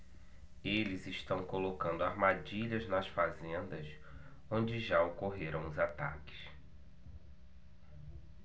eles estão colocando armadilhas nas fazendas onde já ocorreram os ataques